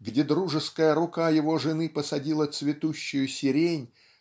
где дружеская рука его жены посадила цветущую сирень